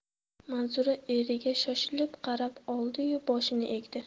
manzura eriga shoshilib qarab oldi yu boshini egdi